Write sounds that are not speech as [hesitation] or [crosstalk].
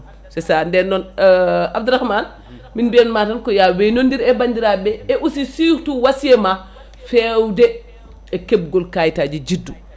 c' est ça nden noon [hesitation] Abdourahmane min mbiyatma ko ya waynodir e bandiraɓe e aussi surtout wasiyama fewde e kebgol kayitaji juddu